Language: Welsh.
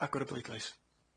Agor y bleidlais.